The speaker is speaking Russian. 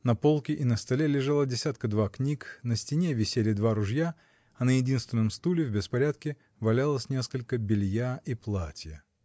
На полке и на столе лежало десятка два книг, на стене висели два ружья, а на единственном стуле в беспорядке валялось несколько белья и платья.